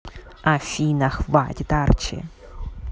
афина хватит archi